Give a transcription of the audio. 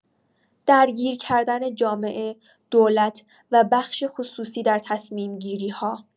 درگیر کردن جامعه، دولت و بخش خصوصی در تصمیم‌گیری‌ها